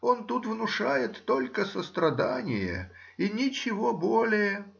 Он тут внушает только сострадание, и ничего более.